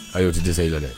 Ayi ye oo tɛ dɛsɛse i yɛrɛ dɛ